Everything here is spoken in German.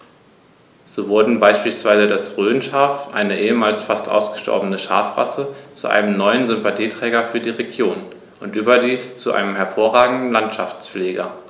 So wurde beispielsweise das Rhönschaf, eine ehemals fast ausgestorbene Schafrasse, zu einem neuen Sympathieträger für die Region – und überdies zu einem hervorragenden Landschaftspfleger.